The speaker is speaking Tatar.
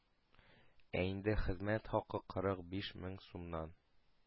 Ә инде хезмәт хакы кырык биш мең сумнан